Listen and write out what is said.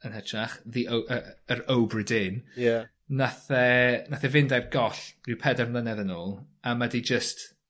yn hytrach the O- yy yr Obra Dinn... Ie. nath e nath e fynd ar goll ryw peder mlynedd yn ôl a ma 'di jyst